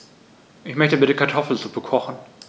Ich möchte bitte Kartoffelsuppe kochen.